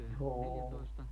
on